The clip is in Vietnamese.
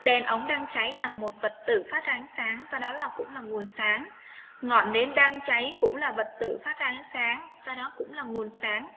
đèn ống đang cháy là một vật tự phát ánh sáng và đó là cũng là nguồn sáng ngọn nến đang cháy cũng là vật tử phát ra ánh sáng đó cũng là nguồn sáng